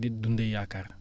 di dundee yaakaar